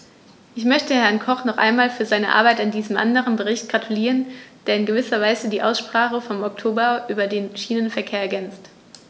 Ich möchte Herrn Koch noch einmal für seine Arbeit an diesem anderen Bericht gratulieren, der in gewisser Weise die Aussprache vom Oktober über den Schienenverkehr ergänzt.